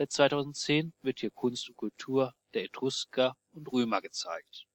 Seit 2010 wird hier Kunst und Kultur der Etrusker und Römer gezeigt